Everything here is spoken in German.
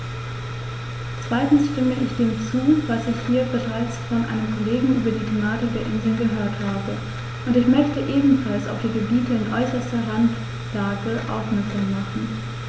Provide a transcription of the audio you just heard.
Zweitens stimme ich dem zu, was ich hier bereits von einem Kollegen über die Thematik der Inseln gehört habe, und ich möchte ebenfalls auf die Gebiete in äußerster Randlage aufmerksam machen.